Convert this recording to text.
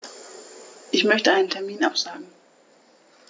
Ich möchte einen Termin absagen.